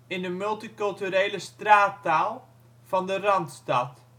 in de multiculturele straattaal van de Randstad